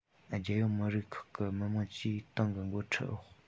རྒྱལ ཡོངས མི རིགས ཁག གི མི དམངས ཀྱིས ཏང གི འགོ ཁྲིད འོག